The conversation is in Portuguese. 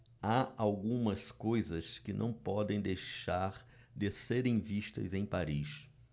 há algumas coisas que não podem deixar de serem vistas em paris